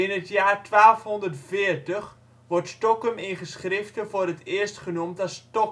het jaar 1240 wordt Stokkum in geschriften voor het eerst genoemd als Stokhem